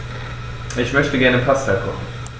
Ich möchte gerne Pasta kochen.